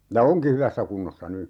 ja onkin hyvässä kunnossa nyt